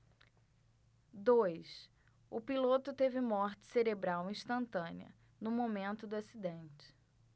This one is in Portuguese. dois o piloto teve morte cerebral instantânea no momento do acidente